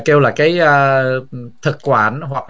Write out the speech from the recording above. kêu là cái a thực quản hoặc